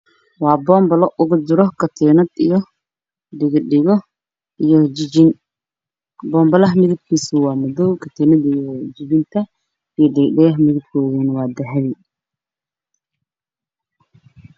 Waa boombalo ugu jiro katiinad iyo dhago dhago iyo jin jin boombala midabkiisa waa madow katiinada iyo jin jinta iyo dhago dhagoha midabkooda waa dahabi.